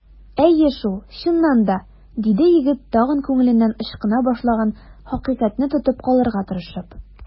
Әйе шул, чыннан да! - диде егет, тагын күңеленнән ычкына башлаган хакыйкатьне тотып калырга тырышып.